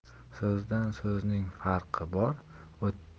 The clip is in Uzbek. so'zdan so'zning farqi bor